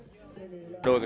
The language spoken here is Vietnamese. đội